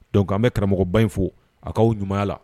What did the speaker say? Dɔnku an bɛ karamɔgɔba in fo a k'aw ɲuman la